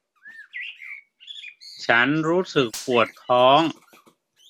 ฉันรู้สึกปวดท้อง